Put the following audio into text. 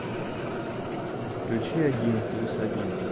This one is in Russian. включи один плюс один